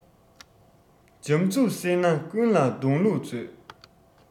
འཇམ རྩུབ བསྲེས ན ཀུན ལ འདོང ལུགས མཛོད